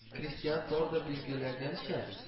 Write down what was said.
Кристиан Тордо билгеләгәнчә